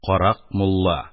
КАРАК МУЛЛА